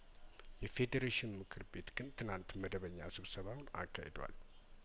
የፌዴሬሽንምክር ቤት ግን ትናንት መደበኛ ስብሰባውን አካሂዷል